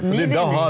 nyvinning.